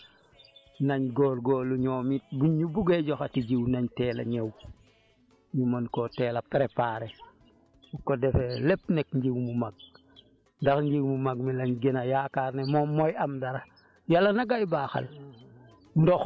sant nañ waa ISRA bu baax nañ góorgóorlu ñoom it buñ ñu buggee joxati jiw nañ teel a ñëwñu mën koo teel a préparer bu ko defee lépp nekk njiw mu mag ndax njiw mu mag mi lañ gën a yaakaar ne moom mooy am dara